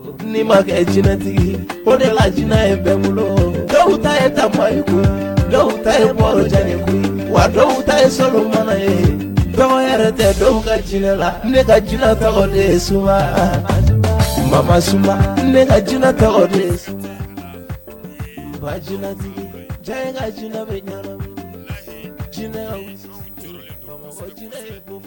Ni makɛ jɛnɛtigi o de la jinɛina ye bɛ bolo dɔw ta ye ta in kun dɔw ta ye malo jɛnɛ wa dɔw ta ye sanu mana ye bagan yɛrɛ tɛ dɔw ka jɛnɛ la ne ka jinɛ tɔgɔ de su mama su ne ka jinɛ tɔgɔ de jɛnɛtigi cɛ ka jinɛ bɛ jɛnɛ